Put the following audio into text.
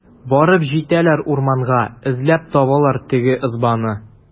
Барып җитәләр урманга, эзләп табалар теге ызбаны.